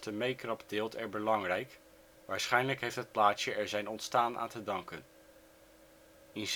meekrapteelt er belangrijk, waarschijnlijk heeft het plaatsje er zijn ontstaan aan te danken. In